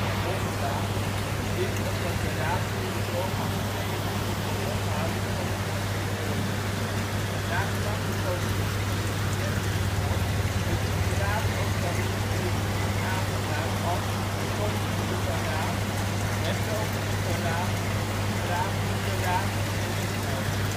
hofraad, dit omdat de raadsheren doorgaans tevens tot de hofhouding van de vorst behoorden. Naar gelang de positie van de betreffende vorst werd diens raad ook wel meer specifiek aangeduid als " koninklijke raad " (Latijn: curia regis), " hertogelijke raad "," grafelijke raad ", enzovoort